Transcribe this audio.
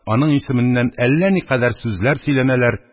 Аның исеменнән әллә никадәр сүзләр сөйләнәләр,